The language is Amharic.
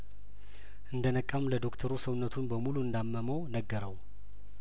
እንደ ነቃም ለዶክተሩ ሰውነቱን በሙሉ እንዳ መመው ነገረው